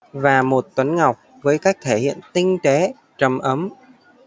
và một tuấn ngọc với cách thể hiện tinh tế trầm ấm